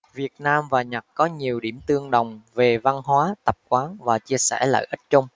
việt nam và nhật có nhiều điểm tương đồng về văn hóa tập quán và chia sẻ lợi ích chung